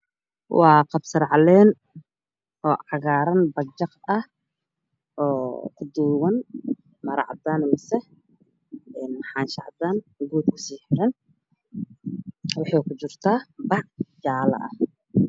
Waa kabsar caleen midabkeedu yahay cagaar waxa ay ku jirtaa warqad cadaan waxaa ka hooseeyo midabkeedu yahay jaallo